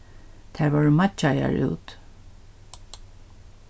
tær vóru meiggjaðar út